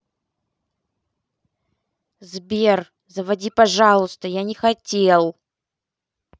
сбер заводи пожалуйста я не хотел